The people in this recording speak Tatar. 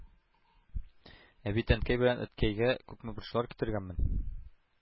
Ә бит Әнкәй белән әткәйгә күпме борчулар китергәнмен,